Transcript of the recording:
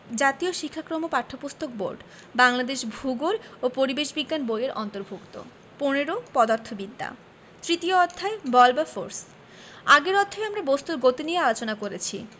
জাতীয় শিক্ষাক্রম ও পাঠ্যপুস্তক বোর্ড বাংলাদেশ ভূগোল ও পরিবেশ বিজ্ঞান বই এর অন্তর্ভুক্ত ১৫ পদার্থবিদ্যা তৃতীয় অধ্যায় বল বা ফোরস আগের অধ্যায়ে আমরা বস্তুর গতি নিয়ে আলোচনা করেছি